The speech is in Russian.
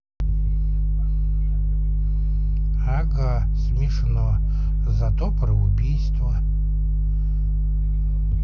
ага смешно зато про убийство